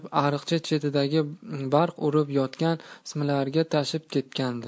ariqcha chetidagi barq urib yotgan o'smalarga toshib ketgandi